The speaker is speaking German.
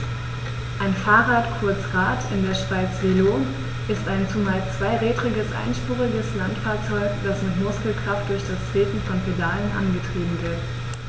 Ein Fahrrad, kurz Rad, in der Schweiz Velo, ist ein zumeist zweirädriges einspuriges Landfahrzeug, das mit Muskelkraft durch das Treten von Pedalen angetrieben wird.